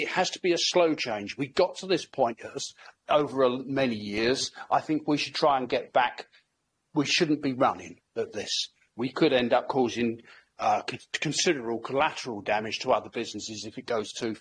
It has to be a slow change we got to this point us over a l- many years I think we should try and get back we shouldn't be running at this we could end up causing considerable collateral damage to other businesses if it goes too